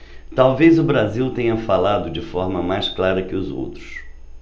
talvez o brasil tenha falado de forma mais clara que os outros